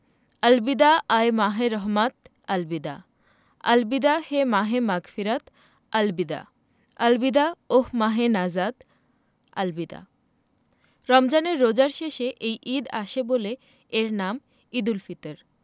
আল বিদা আয় মাহে রহমাত আল বিদা আল বিদা হে মাহে মাগফিরাত আল বিদা আল বিদা ওহঃ মাহে নাজাত আল বিদা রমজানের রোজার শেষে এই ঈদ আসে বলে এর নাম ঈদুল ফিতর